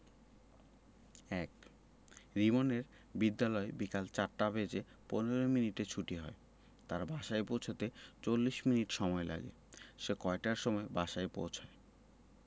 ১ রিমনের বিদ্যালয় বিকাল ৪ টা বেজে ১৫ মিনিটে ছুটি হয় তার বাসায় পৌছাতে ৪০ মিনিট সময়লাগে সে কয়টার সময় বাসায় পৌছায়